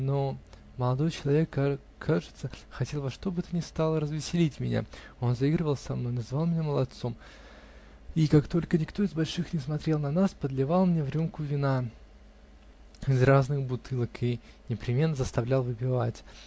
Но молодой человек, как кажется, хотел во что бы то ни стало развеселить меня: он заигрывал со мной, называл меня молодцом и, как только никто из больших не смотрел на нас, подливал мне в рюмку вина из разных бутылок и непременно заставлял выпивать.